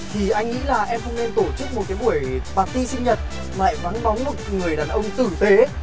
thì anh nghĩ là em không nên tổ chức một cái buổi pạt ti sinh nhật mà lại vắng bóng một người đàn ông tử tế